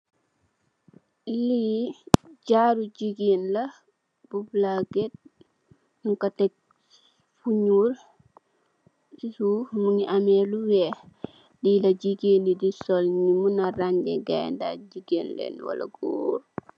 Li jaaru jigeen la bu palake nyun ko tek fo nuul si suuf mongi ame lu weex li la jigeen di sol nyu muna rane kai dax jigeen len wala goor.